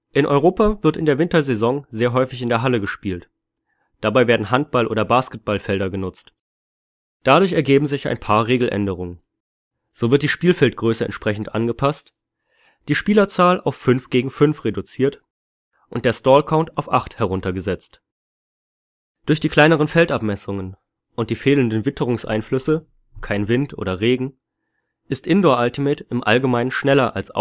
In Europa wird in der Wintersaison sehr häufig in der Halle gespielt, dabei werden Handball - oder Basketballfelder genutzt. Dadurch ergeben sich ein paar Regeländerungen: So wird die Spielfeldgröße entsprechend angepasst, die Spielerzahl auf 5 gegen 5 reduziert und der Stall Count auf 8 herunter gesetzt. Durch die kleineren Feldabmessungen und die fehlenden Witterungseinflüsse (kein Wind oder Regen) ist Indoor Ultimate im Allgemeinen schneller als